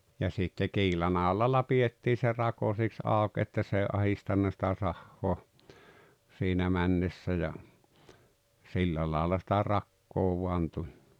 ja sitten kiilanolalla pidettiin se rako siksi auki että se ei ahdistanut sitä sahaa siinä mennessä ja sillä lailla sitä rakoa vain tuli